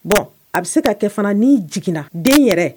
Bon a bɛ se ka kɛ fana n'i jiginna den yɛrɛ